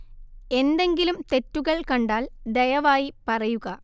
എന്തെങ്കിലും തെറ്റുകള്‍ കണ്ടാല്‍ ദയവായി പറയുക